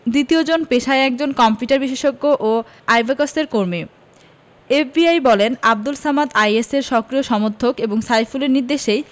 দ্বিতীয়জন পেশায় একজন কম্পিউটার বিশেষজ্ঞ ও আইব্যাকসের কর্মী এফবিআই বলছে আবদুল সামাদ আইএসের সক্রিয় সমর্থক এবং সাইফুলের নির্দেশেই